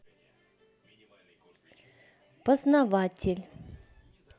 познаватель